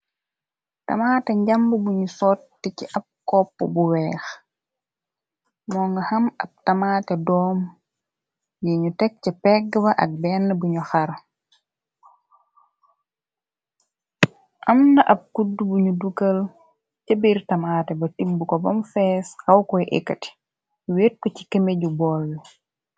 Tamaaté njamb buñu sotti ci ab kopp bu weex moo nga xam ab tamaaté doom. Yi ñu teg ca pegg ba ak benn buñu xara. Amna ab kudd buñu dugal ca biir tamaaté ba tibb ko bam fees xawkoy ekat wet ko ci keme ju boll.